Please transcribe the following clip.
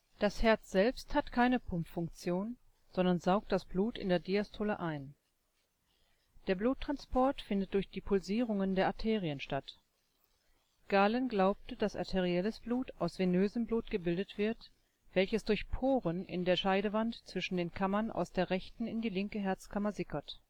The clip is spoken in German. Das Herz selbst hat keine Pumpfunktion, sondern saugt das Blut in der Diastole ein. Der Bluttransport selbst findet durch die Pulsierungen der Arterien statt. Galen glaubte, dass arterielles Blut aus venösem Blut gebildet wird, welches durch „ Poren “in der Scheidewand zwischen den Kammern aus der rechten in die linke Herzkammer sickert